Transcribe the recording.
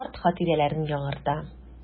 Карт хатирәләрен яңарта.